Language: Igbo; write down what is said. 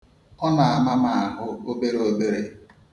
Ọ na-ama m ahụ obere obere.